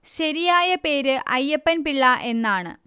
ശരിയായ പേര് അയ്യപ്പൻ പിള്ള എന്നാണ്